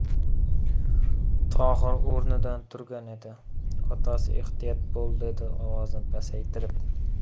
tohir o'rnidan turgan edi otasi ehtiyot bo'l dedi ovozini pasaytirib